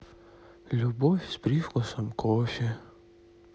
любовь с привкусом кофе